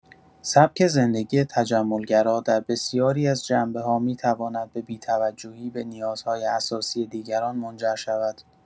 سبک زندگی تجمل‌گرا در بسیاری از جنبه‌ها می‌تواند به بی‌توجهی به نیازهای اساسی دیگران منجر شود.